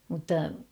mutta